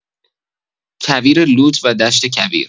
کویر لوت و دشت کویر